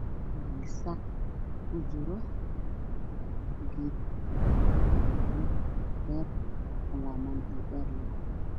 Waa gasac ku jiro geed cagaaran beer laaman dhaadheer leh